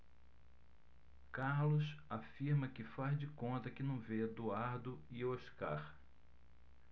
carlos afirma que faz de conta que não vê eduardo e oscar